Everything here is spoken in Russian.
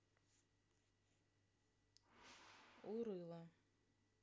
урыла